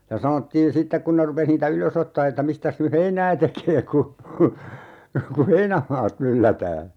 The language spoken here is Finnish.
ja sanottiin sitten kun ne rupesi niitä ylös ottamaan että mistäs nyt heinää tekee kun kun heinämaat myllätään